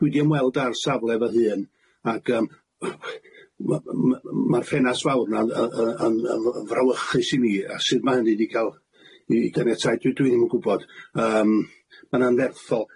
Dwi 'di ymweld â'r safle fy hun ac yym ma' ma' ma'r ffenast fawr 'na'n yy yn yy yn yy frawychus i mi, a sut ma' hynny 'di ca'l i ganiatáu dwi dwi ddim yn gwbod yym ma'n anferthol.